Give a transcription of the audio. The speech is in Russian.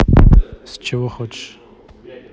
с чего хочешь